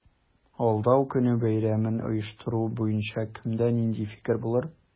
Алдау көне бәйрәмен оештыру буенча кемдә нинди фикер булыр?